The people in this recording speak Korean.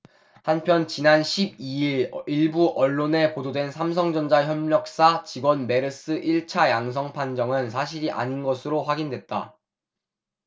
한편 지난 십 이 일 일부 언론에 보도된 삼성전자 협력사 직원 메르스 일 차 양성판정은 사실이 아닌 것으로 확인됐다